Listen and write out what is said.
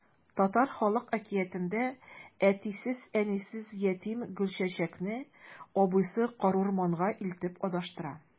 Татар халык әкиятендә әтисез-әнисез ятим Гөлчәчәкне абыйсы карурманга илтеп адаштыра.